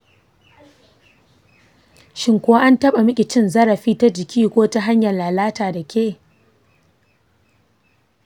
shin ko an taba maki cin zarafi ta jiki ko ta hanyar lallata da ke?